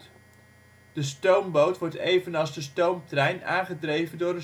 stoomboot wordt evenals de stoomtrein aangedreven door